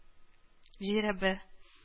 Жирәбә